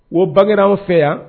O banraw fɛ yan